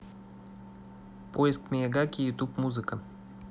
поиск miyagi youtube музыка